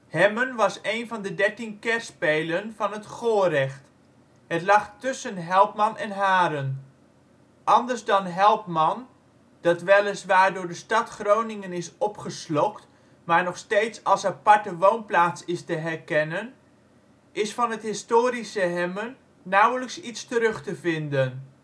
Hemmen was een van de dertien kerspelen van het Gorecht. Het lag tussen Helpman en Haren. Anders dan Helpman, dat weliswaar door de stad Groningen is opgeslokt, maar nog steeds als aparte woonplaats is te herkennen, is van het historische Hemmen nauwelijks iets terug te vinden